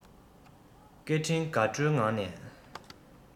སྐད འཕྲིན དགའ སྤྲོའི ངང ནས